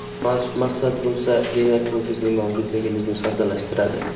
agar munosib maqsad bo'lsa demak bu bizning mavjudligimizni soddalashtiradi